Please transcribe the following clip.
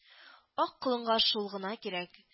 Ак колынга шул гына кирәк